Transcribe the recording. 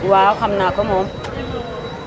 waaw xam naa ko moom